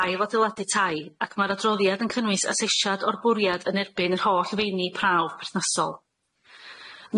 ail adeiladu tai ac ma'r adroddiad yn cynnwys asesiad o'r bwriad yn erbyn yr holl feini prawf perthnasol.